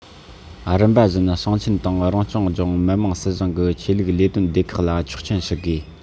རིམ པ བཞིན ཞིང ཆེན དང རང སྐྱོང ལྗོངས མི དམངས སྲིད གཞུང གི ཆོས ལུགས ལས དོན སྡེ ཁག ལ ཆོག མཆན ཞུ དགོས